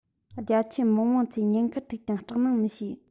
རྒྱ ཆེའི དམག དམངས ཚོས ཉེན ཁར ཐུག ཀྱང སྐྲག སྣང མི བྱེད